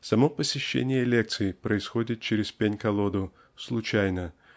Само посещение лекций происходит через пень-колоду случайно